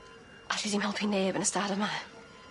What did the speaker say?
Alli di'm helpu neb yn y stad yma.